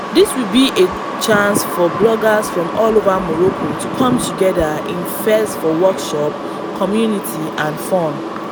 This will be a chance for bloggers from all over Morocco to come together in Fez for workshops, community, and fun.